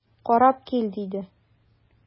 Карап кил,– диде.